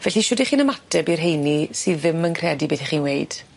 Felly shwd 'ych chi'n ymateb i'r rheini sydd ddim yn credu beth 'ych chi'n weud?